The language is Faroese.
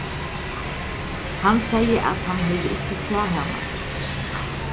hann segði at hann hevði ikki sæð hana